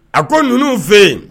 A ko ninnu fɛ yen